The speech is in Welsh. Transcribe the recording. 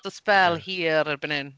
So sbel hir erbyn hyn, tibod?